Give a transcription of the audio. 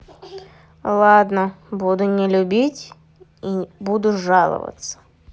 ладно буду не любить и буду жаловаться